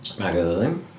Nag oedd o ddim.